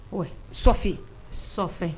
O sɔfe sɔfɛ